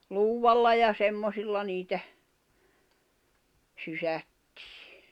luudalla ja semmoisilla niitä sysättiin